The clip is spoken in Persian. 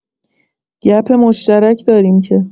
گپ مشترک داریم که